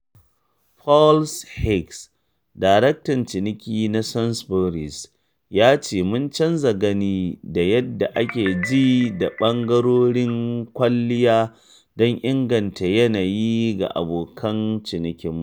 Paul Mills-Hicks, daraktan ciniki na Sainsbury's ya ce: “Mun canza gani da yadda ake ji na ɓangarorin kwalliya don inganta yanayi ga abokan cinikinmu.